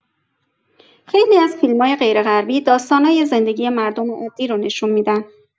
خیلی از فیلمای غیرغربی داستانای زندگی مردم عادی رو نشون می‌دن.